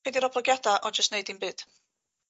Be' 'di'r oblygiada o jyst neud dim byd?